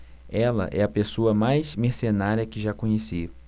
ela é a pessoa mais mercenária que já conheci